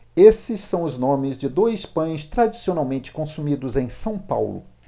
esses são os nomes de dois pães tradicionalmente consumidos em são paulo